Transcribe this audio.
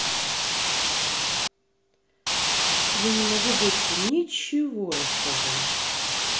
я не могу больше ничего рассказывать